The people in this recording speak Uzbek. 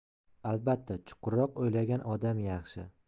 albatta chuqurroq o'ylagan odam yaxshi